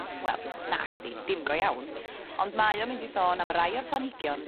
Wel, nacdi, dim go iawn. Ond mae o mynd i sôn am rai o'r planhigion